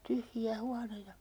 tyhjiä huoneita